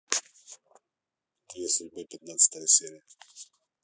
две судьбы пятнадцатая серия